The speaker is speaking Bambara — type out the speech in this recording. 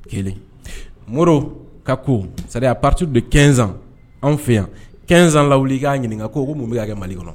Kelen mori ka ko sariya pati bɛ kɛsan anw fɛ yan kɛsan lawu k'a ɲininka ko ko mun bɛ' kɛ mali kɔnɔ